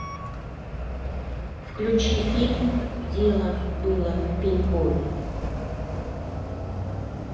включи фильм дело было в пенькове